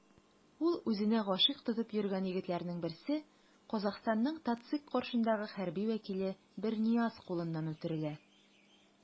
Ул үзенә гашыйк тотып йөргән егетләрнең берсе - Казахстанның ТатЦИК каршындагы хәрби вәкиле Бернияз кулыннан үтерелә.